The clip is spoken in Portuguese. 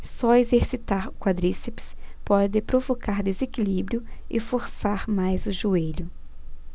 só exercitar o quadríceps pode provocar desequilíbrio e forçar mais o joelho